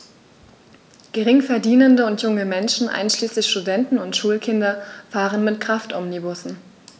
Geringverdienende und junge Menschen, einschließlich Studenten und Schulkinder, fahren mit Kraftomnibussen.